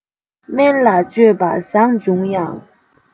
དམན ལ སྤྱོད པ བཟང བྱུང ཡང